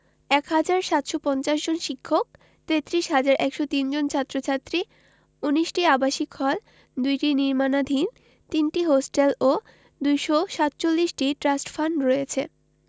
১ হাজার ৭৫০ জন শিক্ষক ৩৩ হাজার ১০৩ জন ছাত্র ছাত্রী ১৯টি আবাসিক হল ২টি নির্মাণাধীন ৩টি হোস্টেল ও ২৪৭টি ট্রাস্ট ফান্ড রয়েছে